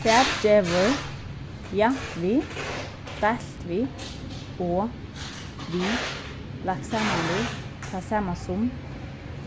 hvat gevur javnt við deilt við og við lagt saman við tað sama sum